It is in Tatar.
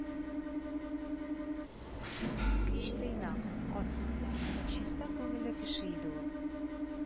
Кеч тыйнак, аз сүзле, чиста күңелле кеше иде ул